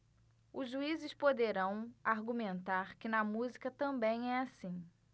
os juízes poderão argumentar que na música também é assim